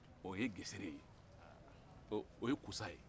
o ye gesere ye o ye kusa ye